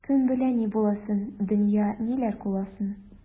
Кем белә ниләр буласын, дөнья, диләр, куласа.